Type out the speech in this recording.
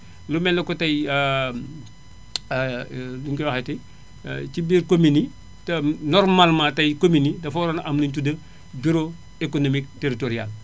lu mel ni que tay nu ñu koy waxeeti ci biir communes yi te normalement tay communes dafa waroon am li ñuy tuddee bureau économique territorial